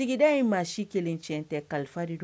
Sigida in maa si kelen tiɲɛ tɛ kalifa de